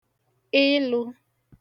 ilū